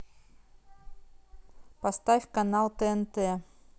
поставь канал тнт